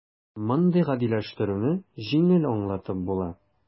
Мондый "гадиләштерү"не җиңел аңлатып була: